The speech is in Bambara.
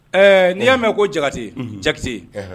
Ɛɛ n'i y'a mɛn ko jate jakite